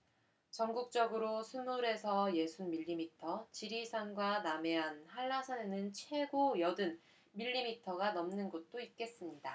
전국적으로 스물 에서 예순 밀리미터 지리산과 남해안 한라산에는 최고 여든 밀리미터가 넘는 곳도 있겠습니다